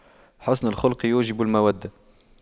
حُسْنُ الخلق يوجب المودة